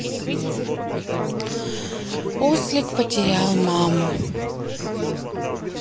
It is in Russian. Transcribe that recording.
ослик потерял маму